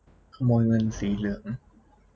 ขโมยเงินสีเหลือง